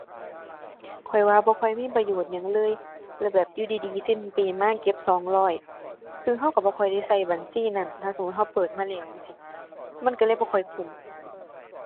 ข้อยว่าบ่ค่อยมีประโยชน์หยังเลย แล้วแบบอยู่ดีดีสิ้นปีมาเก็บสองร้อย ซึ่งเราเราบ่ค่อยได้เราบัญชีนั้น ถ้าสมมุติเราเปิดมาแล้วจั่งซี้ มันเราเลยบ่ค่อยคุ้ม